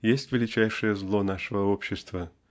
есть величайшее зло нашего общества